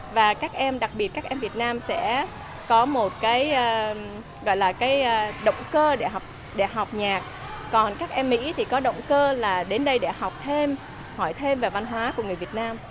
và các em đặc biệt các em việt nam sẽ có một cái a gọi là cái a động cơ để học để học nhạc còn các em mỹ thì có động cơ là đến đây để học thêm hỏi thêm về văn hóa của người việt nam